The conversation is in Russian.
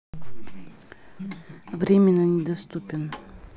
временно недоступен